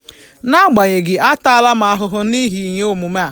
N'agbanyeghị, a taala m ahụhụ n'ihi ihe omume a.